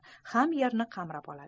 ham yerni qamrab oladi